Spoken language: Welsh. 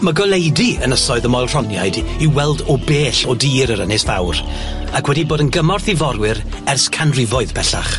Ma' goleudy ynysoedd y Moel-Rhoniaid i weld o bell o dir yr ynys fawr, ac wedi bod yn gymorth i forwyr ers canrifoedd bellach.